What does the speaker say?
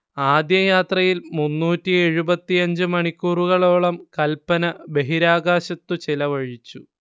ആദ്യയാത്രയിൽ മുന്നൂറ്റിയെഴുപത്തിയഞ്ച് മണിക്കൂറുകളോളം കൽപന ബഹിരാകാശത്തു ചിലവഴിച്ചു